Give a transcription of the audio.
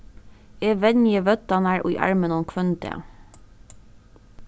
eg venji vøddarnar í arminum hvønn dag